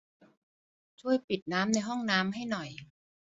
ช่วยปิดน้ำในห้องน้ำให้หน่อย